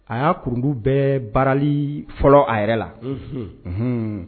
A y'aurundi bɛɛ baarali fɔlɔ a yɛrɛ la